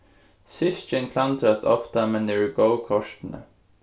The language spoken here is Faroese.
systkin klandrast ofta men eru góð kortini